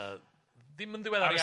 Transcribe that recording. Yy dim yn ddiweddar iawn.